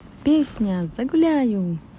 песня загуляю